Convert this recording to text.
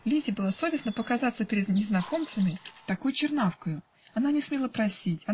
Лизе было совестно показаться перед незнакомцами такой чернавкою она не смела просить.